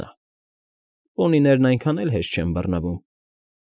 Նա։֊ Պոնիներն այնքան էլ հեշտ չեն բռնվում։